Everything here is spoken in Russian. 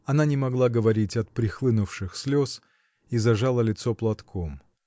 Она не могла говорить от прихлынувших слез и зажала лицо платком.